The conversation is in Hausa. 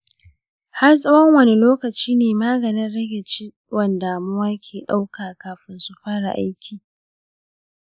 har tsawon wani lokaci ne maganin rage ciwon damuwa ke ɗauka kafin su fara aiki?